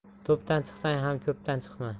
to'pdan chiqsang ham ko'pdan chiqma